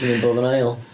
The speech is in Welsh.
Mynd bob yn ail?